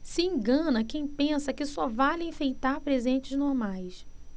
se engana quem pensa que só vale enfeitar presentes normais